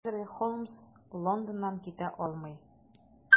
Хәзергә Холмс Лондоннан китә алмый.